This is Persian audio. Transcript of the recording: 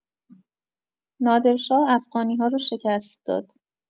نادر شاه افغانی‌ها رو شکست داد